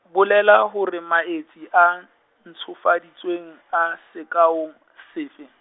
bolela hore maetsi a, ntshofaditsweng a, sekaong sefe.